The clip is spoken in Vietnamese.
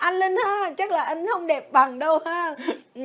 anh linh ơi chắc là anh hông đẹp bằng đâu ha